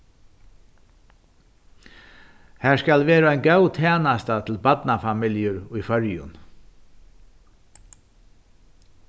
har skal verða ein góð tænasta til barnafamiljur í føroyum